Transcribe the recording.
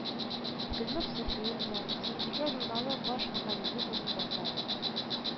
Гөлнур Сафиуллина, Сөембикә журналы баш мөхәррире урынбасары